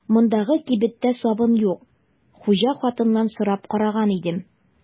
Мондагы кибеттә сабын юк, хуҗа хатыннан сорап караган идем.